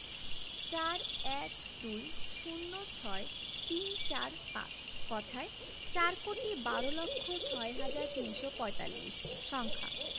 ৪ ১২ ০৬ ৩৪৫ কথায়ঃ চার কোটি বার লক্ষ ছয় হাজার তিনশো পঁয়তাল্লিশ সংখ্যা